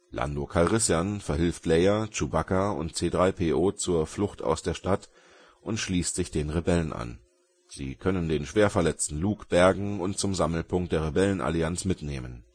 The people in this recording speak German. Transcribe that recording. Lando Calrissian verhilft Leia, Chewbacca und C-3PO zur Flucht aus der Stadt und schließt sich den Rebellen an. Sie können den schwerverletzten Luke bergen und zum Sammelpunkt der Rebellenallianz mitnehmen